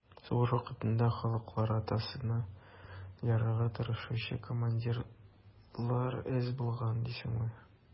Сугыш вакытында «халыклар атасына» ярарга тырышучы командирлар әз булган дисеңме?